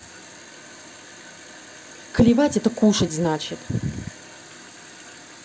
клевать это кушать значит